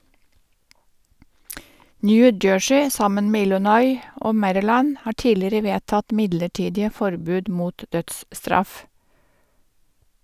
New Jersey, sammen med Illinois og Maryland, har tidligere vedtatt midlertidige forbud mot dødsstraff.